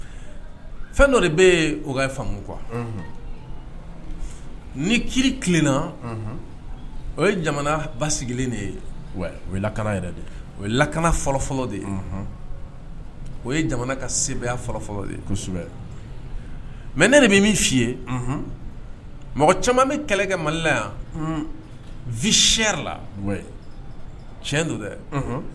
Fɛn dɔ de ni kina o ye ba sigilen de ye o ye lakana yɛrɛ o ye lakana fɔlɔfɔlɔ de ye o ye jamana ka senya fɔlɔfɔlɔ kosɛbɛbɛ mɛ ne de bɛ min fɔi ye mɔgɔ caman bɛ kɛlɛkɛ malila yan v sɛ la tiɲɛ don dɛ